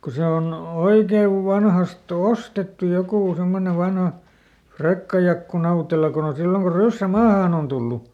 kun se on oikein vanhasta ostettu joku semmoinen vanha Frekkajakku Nautela kun on silloin kun ryssä maahan on tullut